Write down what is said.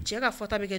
Cɛ ka fɔ ta bɛ kɛ